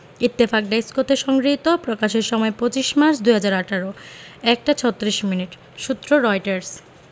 Ittefaq desk হতে সংগৃহীত প্রকাশের সময় ২৫মার্চ ২০১৮ ১ টা ৩৬ মিনিট সূত্রঃ রয়টার্স